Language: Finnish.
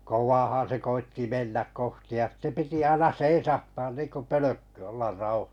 kovaahan se koetti mennä kohti ja sitten piti aina seisahtaa niin kuin pölkky olla -